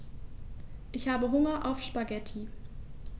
Ich habe Hunger auf Spaghetti.